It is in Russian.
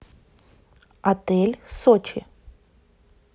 отель сочи